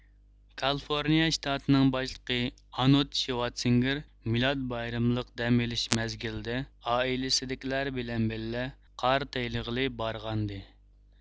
كالىفورنىيە شتاتىنىڭ باشلىقى ئانود شىۋادسېنگىر مىلاد بايرىمىلىق دەم ئېلىش مەزگىلىدە ئائىلىسىدىكىلەر بىلەن بىللە قار تېيىلغىلى بارغانىدى